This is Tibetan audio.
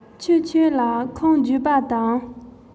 ཁྱི ཁྱོད ལ ཁུངས བརྒྱུད པ དང